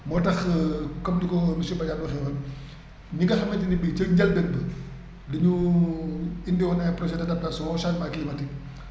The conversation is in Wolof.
moo tax comme ni ko monsieur Badiane waxeewoon ñi nga xamante ne bii ci njëlbeen bi dañu indiwoon ay projets d' adaptation changement climatique